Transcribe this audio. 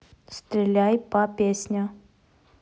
стреляй па песня